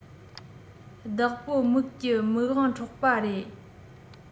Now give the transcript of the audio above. བདག པོ མིག གྱི མིག དབང འཕྲོག པ རེད